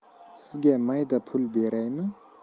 sizga mayda pul beraymi